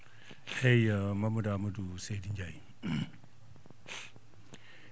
eeyi Mamadou Amadou seydi Ndiaye a